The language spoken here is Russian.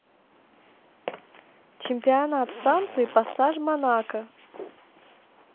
чемпионат франции пассаж монако